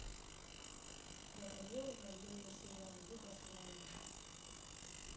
батальон военный сериал югославия